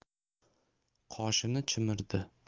qoshini chimirdi